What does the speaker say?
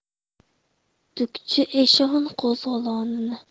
dukchi eshon qo'zg'olonini